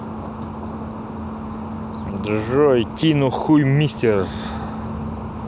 джой тину хуй мистер